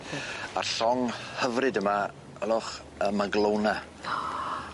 A'r llong hyfryd yma ylwch yy Maglona.